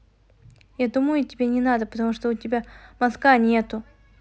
я думаю тебе не надо потому что у тебя мозга нету